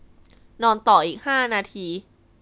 นอนต่ออีกห้านาที